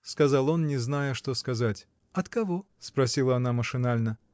— сказал он, не зная, что сказать. — От кого? — спросила она машинально.